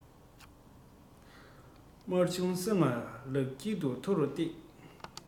དམར ཆུང སེམས པ ལག མཐིལ ནས མཐོ རུ བཏེགས